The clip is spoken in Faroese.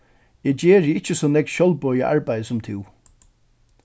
eg geri ikki so nógv sjálvboðið arbeiði sum tú